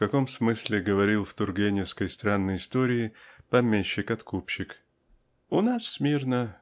в каком смысле говорил в тургеневской "Странной истории" помещик-откупщик ""У нас смирно